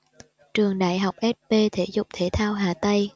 trường đại học sp thể dục thể thao hà tây